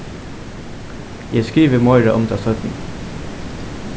eg skrivi meira um tað seinni